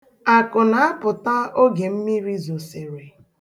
Akụ na-apụta oge mmiri zosịrị.